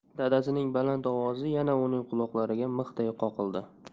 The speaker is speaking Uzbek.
dadasining baland ovozi yana uning quloqlariga mixday qoqildi